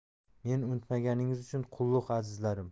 meni unutmaganingiz uchun qulluq azizlarim